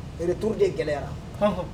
I bɛ to de gɛlɛyayara